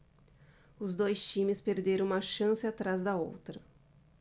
os dois times perderam uma chance atrás da outra